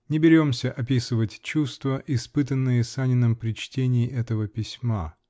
Не беремся описывать чувства, испытанные Саниным при чтении этого письма.